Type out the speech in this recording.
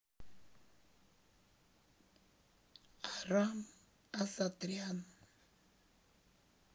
арам асатрян